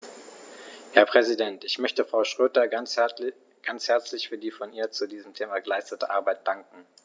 Herr Präsident, ich möchte Frau Schroedter ganz herzlich für die von ihr zu diesem Thema geleistete Arbeit danken.